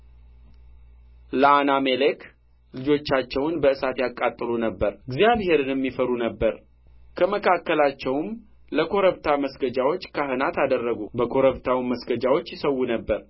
ለአነሜሌክ ልጆቻቸውን በእሳት ያቃጥሉ ነበር እግዚአብሔርንም ይፈሩ ነበር ከመካከላቸውም ለኮረብታው መስገጃዎች ካህናት አደረጉ በኮረብታውም መስገጃዎች ይሠዉ ነበር